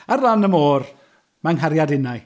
Ar lan y môr mae nghariad innau.